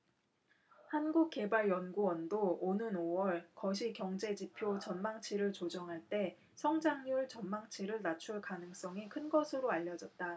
한국개발연구원도 오는 오 월 거시경제지표 전망치를 조정할 때 성장률 전망치를 낮출 가능성이 큰 것으로 알려졌다